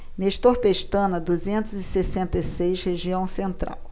nestor pestana duzentos e sessenta e seis região central